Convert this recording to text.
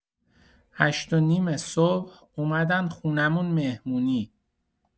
هشت‌ونیم صبح اومدن خونمون مهمونی!